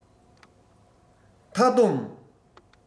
མཐའ བསྡོམས